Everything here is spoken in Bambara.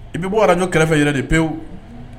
I bɛ bɔ ɲɔ kɛlɛfɛ yɛrɛ de pewu